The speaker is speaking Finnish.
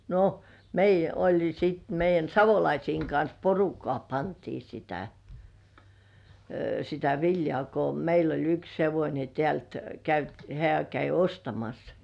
no meidän oli sitten meidän Savolaisten kanssa porukkaa pantiin sitä sitä viljaa kun meillä oli yksi hevonen täältä - hän kävi ostamassa